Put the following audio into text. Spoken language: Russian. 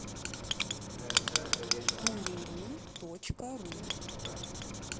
туруру точка ру